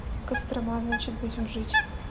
кострома значит будем жить